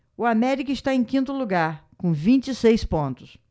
o américa está em quinto lugar com vinte e seis pontos